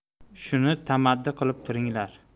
shuni tamaddi qilib turinglar